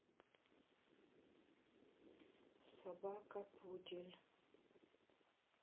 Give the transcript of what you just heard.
собака пудель